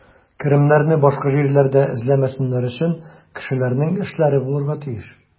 Керемнәрне башка җирләрдә эзләмәсеннәр өчен, кешеләрнең эшләре булырга тиеш.